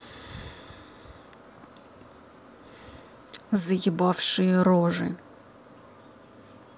заебавшие рожи